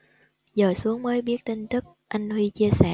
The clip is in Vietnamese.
giờ xuống mới biết tin tức anh huy chia sẻ